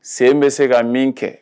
Sen bɛ se ka min kɛ